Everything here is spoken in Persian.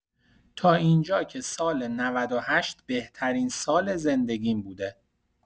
تا اینجا که سال ۹۸ بهترین سال زندگیم بوده!